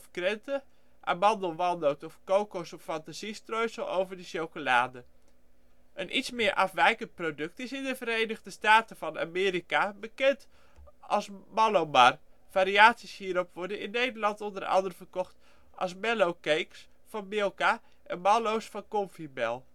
krenten amandel -, walnoot - of kokos - of fantasiestrooisel over de chocolade Een iets meer afwijkend product is in de Verenigde Staten van Amerika bekend als mallomar. Variaties hierop worden in Nederland onder andere verkocht als Melo Cakes (van Milka) en Mallo 's (van Confibel